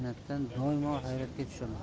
mehnatdan doimo hayratga tushaman